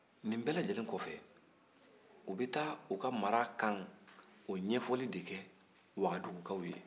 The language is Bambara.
nin bɛɛlajɛnnen kɔfɛ u bɛ taa u ka marakan o ɲɛfɔli de kɛ wagadugukaw ye